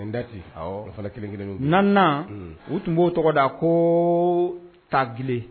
Kelen kelen nana u tun b'o tɔgɔ da ko taabolo